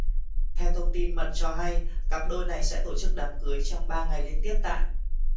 theo thông tin mật cho hay cặp đôi này sẽ tổ chức đám cưới trong ba ngày liên tiếp tại